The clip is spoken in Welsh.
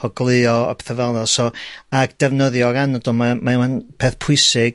a petha fel 'na so, a defnyddio'r anadl 'ma mae o'n peth pwysig.